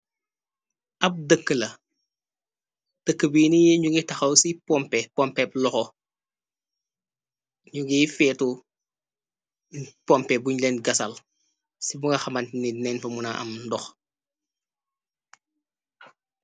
Ab dëkkë la, dëkkë bii nii, ñu ngi taxaw ci pompe pompe loxo, ñu ngiy feetu pompe buñ leen gasal si bu nga xamante di ñeng fa muna am ndox.